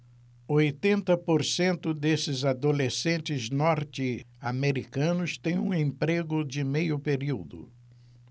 oitenta por cento desses adolescentes norte-americanos têm um emprego de meio período